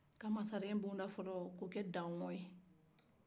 masaren bon da fɔlɔ ko kɛ danɲɔ ye